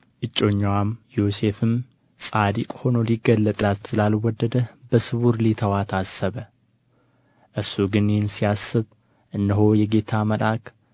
እጮኛዋ ዮሴፍም ጻድቅ ሆኖ ሊገልጣት ስላልወደደ በስውር ሊተዋት አሰበ እርሱ ግን ይህን ሲያስብ እነሆ የጌታ መልአክ